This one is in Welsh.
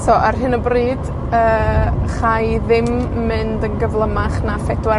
So ar hyn o bryd, yy, chai ddim mynd yn gyflymach na phedwar